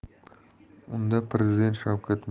unda prezident shavkat